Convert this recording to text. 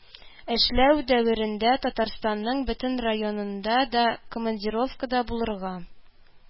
Эшләү дәверендә Татарстанның бөтен районында да командировкада булырга